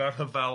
...fel rhyfel